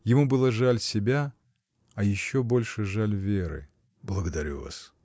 Ему было жаль себя, а еще больше жаль Веры. — Благодарю вас!